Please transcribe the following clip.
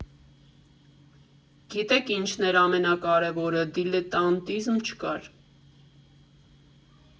Գիտեք ինչն էր ամենակարևորը՝ դիլետանտիզմ չկար։